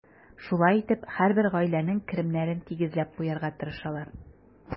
Шулай итеп, һәрбер гаиләнең керемнәрен тигезләп куярга тырышалар.